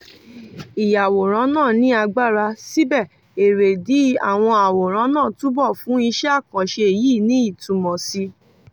"Ìyàwòrán náà ni agbára, síbẹ̀ erédìí àwọn àwòrán náà túbọ̀ fún iṣẹ́ àkànṣe yìí ní ìtumọ̀ síi.